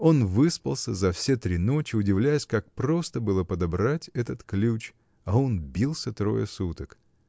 Он выспался за все три ночи, удивляясь, как просто было подобрать этот ключ, а он бился трое суток!